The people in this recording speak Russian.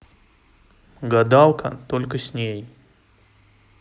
гадалка только с ней